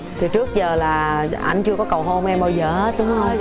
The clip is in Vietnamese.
từ trước giờ là anh chưa có cầu hôn em bao giờ hết đúng hơm